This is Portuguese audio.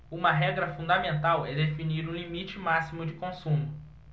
uma regra fundamental é definir um limite máximo de consumo